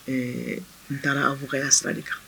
Ɛɛ n taara a fɔ ka ya sira de kan